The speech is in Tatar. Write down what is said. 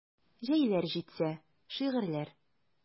Җәйләр җитсә: шигырьләр.